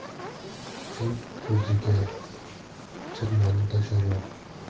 jin ko'ziga chirmanda chorvoq